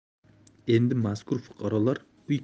endi mazkur fuqarolar uy